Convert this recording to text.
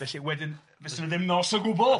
Felly wedyn fysa 'na ddim nos o gwbl!